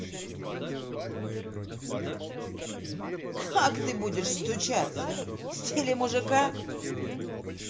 как ты будешь стучаться в стиле мужика